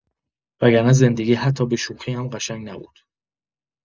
وگرنه زندگی حتی به‌شوخی هم قشنگ نبود.